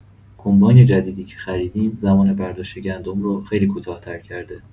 کمباین جدیدی که خریدیم، زمان برداشت گندم رو خیلی کوتاه‌تر کرده.